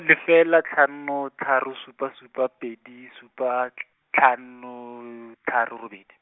lefela tlhano tharo supa supa pedi supa tlh- tlhano, tharo robedi.